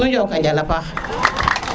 i njoka njala paax